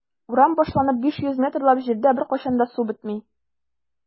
Урам башланып 500 метрлап җирдә беркайчан да су бетми.